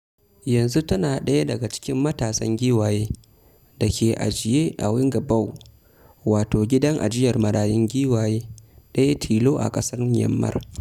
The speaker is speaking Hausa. Yanzu tana ɗaya daga cikin matasan giwayen da ke ajiye a Wingabaw, wato gidan ajiyar marayun giwaye ɗaya tilo a ƙasar Myanmar.